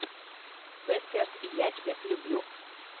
bad керт я тебя люблю